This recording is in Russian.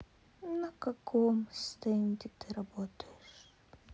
на каком стенде ты работаешь